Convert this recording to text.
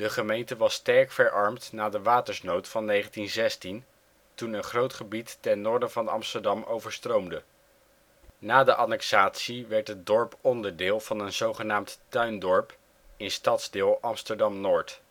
gemeente was sterk verarmd na de watersnood van 1916, toen een groot gebied ten noorden van Amsterdam overstroomde. Na de annexatie werd het dorp onderdeel van een zogenaamd Tuindorp in stadsdeel Amsterdam-Noord